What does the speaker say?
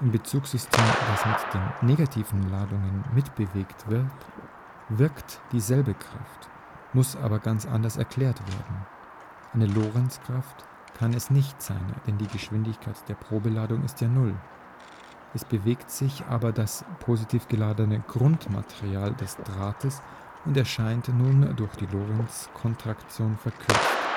Bezugssystem, das mit den negativen Ladungen mitbewegt wird, wirkt dieselbe Kraft, muss aber ganz anders erklärt werden. Eine Lorentzkraft kann es nicht sein, denn die Geschwindigkeit der Probeladung ist ja Null. Es bewegt sich aber das positiv geladene Grundmaterial des Drahtes und erscheint nun durch die Lorentzkontraktion verkürzt